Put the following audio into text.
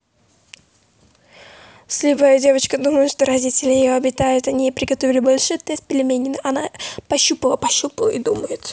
слепая девочка думает что родители ее обитают они ей приготовили большой тест пельмени она пощупала пощупала и думает